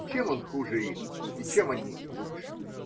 Чем он хуже их, и чем они лучше?